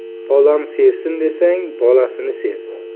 bolam sevsin desang bolasini sev